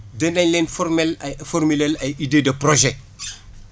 dinañ leen former ay formuler ay idées de projet